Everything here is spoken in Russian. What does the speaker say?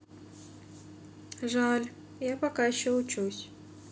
жаль я пока еще учусь